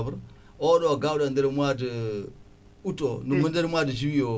oɗo gawɗo e nder mois de aout o no gonɗen e mois de juillet o